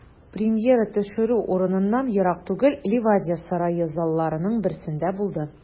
Премьера төшерү урыныннан ерак түгел, Ливадия сарае залларының берсендә булды.